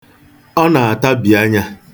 Ọ na-atabi anya.